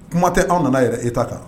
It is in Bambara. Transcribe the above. Kuma tɛ anw nana yɛrɛ Etat kan